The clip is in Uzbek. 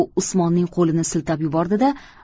u usmonning qo'lini siltab yubordi da